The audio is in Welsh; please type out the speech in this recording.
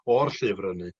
o'r llyfr ynny